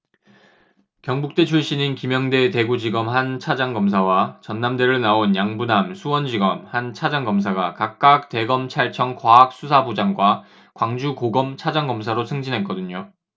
경북대 출신인 김영대 대구지검 한 차장검사와 전남대를 나온 양부남 수원지검 한 차장검사가 각각 대검찰청 과학수사부장과 광주고검 차장검사로 승진했거든요